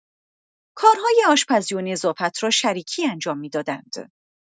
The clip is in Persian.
کارهای آشپزی و نظافت را شریکی انجام می‌دادند.